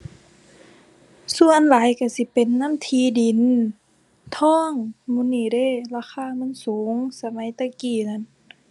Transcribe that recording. ส่วนหลายก็สิเป็นนำที่ดิน ทอง หมู่นี้เดะ ราคามันสูงสมัยแต่กี้นั้น